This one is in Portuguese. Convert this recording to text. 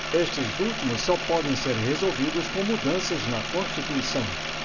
estes últimos só podem ser resolvidos com mudanças na constituição